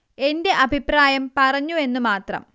എന്റെ അഭിപ്രായം പറഞ്ഞു എന്നു മാത്രം